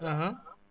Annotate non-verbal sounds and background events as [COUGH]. [HESITATION] [HESITATION]